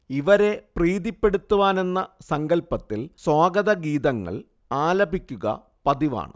ഇവരെ പ്രീതിപ്പെടുത്തുവാനെന്ന സങ്കല്പത്തിൽ സ്വാഗതഗീതങ്ങൾ ആലപിക്കുക പതിവാണ്